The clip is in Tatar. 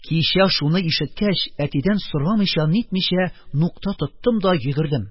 Кичә шуны ишеткәч, әтидән сорамыйча-нитмичә, нукта тоттым да йөгердем.